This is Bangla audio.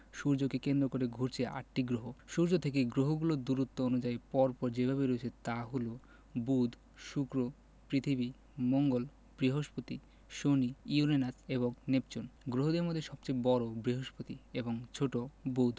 সূর্যকে কেন্দ্র করে ঘুরছে আটটি গ্রহ সূর্য থেকে গ্রহগুলো দূরত্ব অনুযায়ী পর পর যেভাবে রয়েছে তা হলো বুধ শুক্র পৃথিবী মঙ্গল বৃহস্পতি শনি ইউরেনাস এবং নেপচুন গ্রহদের মধ্যে সবচেয়ে বড় বৃহস্পতি এবং ছোট বুধ